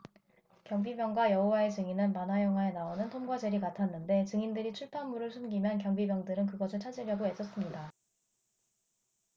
경비병과 여호와의 증인은 만화 영화에 나오는 톰과 제리 같았는데 증인들이 출판물을 숨기면 경비병들은 그것을 찾으려고 애썼습니다